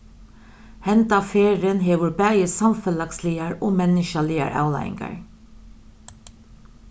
henda ferðin hevur bæði samfelagsligar og menniskjaligar avleiðingar